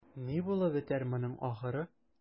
Ни булып бетәр моның ахыры?